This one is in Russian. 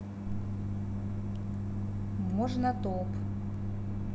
можно top